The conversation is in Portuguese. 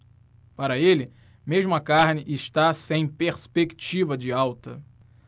para ele mesmo a carne está sem perspectiva de alta